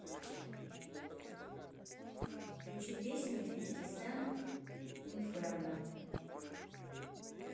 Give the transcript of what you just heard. включи песню фифти сент инферно